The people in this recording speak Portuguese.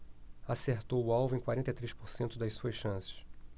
acertou o alvo em quarenta e três por cento das suas chances